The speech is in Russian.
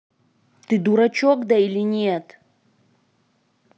ты дурачок да или нет